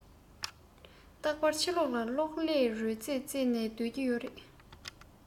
རྟག པར ཕྱི ལོག ལ གློག ཀླད རོལ རྩེད རྩེད ནས སྡོད ཀྱི ཡོད རེད